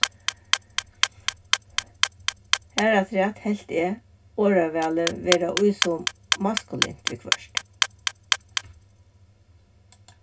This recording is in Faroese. harafturat helt eg orðavalið vera í so maskulint viðhvørt